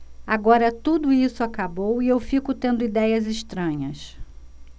agora tudo isso acabou e eu fico tendo idéias estranhas